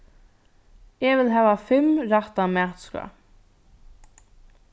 eg vil hava fimm rætta matskrá